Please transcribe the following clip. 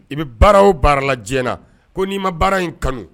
I bɛ baara o baara la diɲɛna ko ni'i ma baara in kanu.